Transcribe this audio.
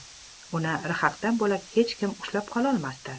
uni rhakdan bo'lak hech kim ushlab qololmasdi